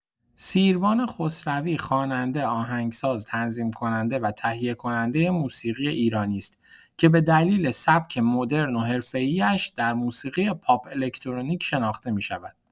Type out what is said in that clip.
سیروان خسروی خواننده، آهنگساز، تنظیم‌کننده و تهیه‌کننده موسیقی ایرانی است که به دلیل سبک مدرن و حرفه‌ای‌اش در موسیقی پاپ الکترونیک شناخته می‌شود.